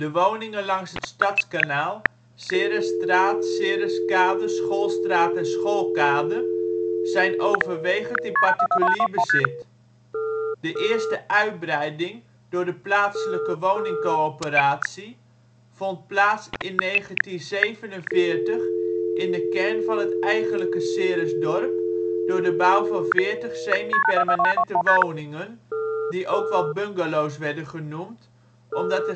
woningen langs het Stadskanaal (Ceresstraat, Cereskade, Schoolstraat en Schoolkade) zijn overwegend in particulier bezit. De eerste uitbreiding door de plaatselijke woningcorporatie vond plaats in 1947 in de kern van het ' eigenlijke ' Ceresdorp door de bouw van 40 semi-permanente woningen, die ook wel ' bungalows ' werden genoemd, omdat